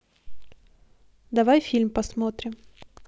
давай фильм посмотрим